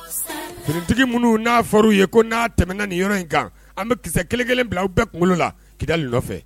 Siritigi minnu n fɔ'w ye ko n tɛmɛ nin yɔrɔ in kan an bɛ kisɛ kelen kelen bila u bɛɛ kunkolo la kili fɛ